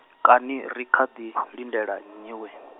kani ri kha ḓi, lindela nnyi wee?